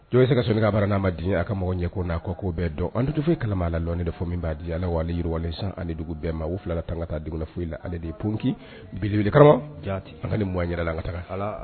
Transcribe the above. Jɔse ka soni ka baarar n'a ma di a ka mɔgɔ ɲɛ ko n'a kɔ ko bɛɛ dɔn antu foyi ye kalama la dɔnɔni de fɔ min b'a di ala wa aleali yiriwawale san ani dugu bɛɛ ma u fila tan ka taa dugu foyi la ale depki beleb an ka bɔ yɛrɛ la an ka taa